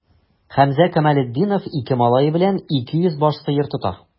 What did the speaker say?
Хәмзә Камалетдинов ике малае белән 200 баш сыер тота.